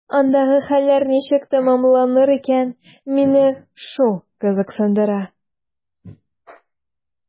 Андагы хәлләр ничек тәмамланыр икән – мине шул кызыксындыра.